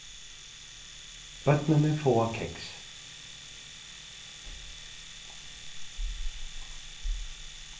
børnini fáa keks